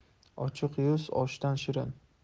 ochiq yuz oshdan shirin